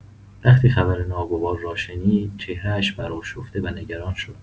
وقتی خبر ناگوار را شنید، چهره‌اش برآشفته و نگران شد.